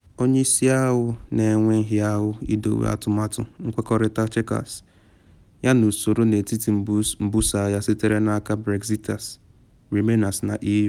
Onye isi ahụ na enwe nhịahụ idowe atụmatụ nkwekọrịta Chequers ya n’usoro n’etiti mbuso agha sitere n’aka Brexiteers, Remainers na EU.